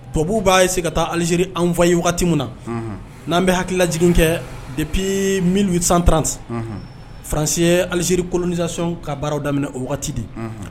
Tubabu b'a essayer ka taa Alijeri envoyer wagati min na, unhun , n'an bɛ hakililajigin kɛ depuis 1830 , unhun, Fransi ye Aljeri colonisation ka baararaw daminɛ o waati wagati de